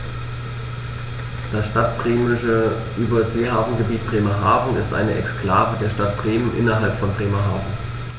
Das Stadtbremische Überseehafengebiet Bremerhaven ist eine Exklave der Stadt Bremen innerhalb von Bremerhaven.